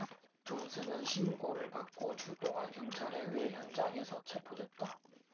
존슨은 신고를 받고 출동한 경찰에 의해 현장에서 체포됐다